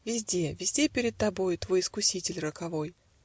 Везде, везде перед тобой Твой искуситель роковой.